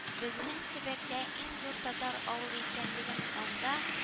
Безнең төбәктә иң зур татар авылы икәнлеген, анда